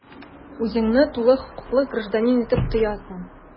Үзеңне тулы хокуклы гражданин итеп тоясың.